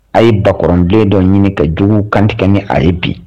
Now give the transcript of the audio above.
A' ye bakɔrɔnbilen dɔ ɲini ka jugu kantigɛ ni a ye bi